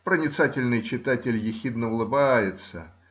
Проницательный читатель ехидно улыбается